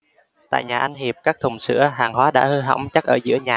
tại nhà anh hiệp các thùng sữa hàng hóa đã hư hỏng chất ở giữa nhà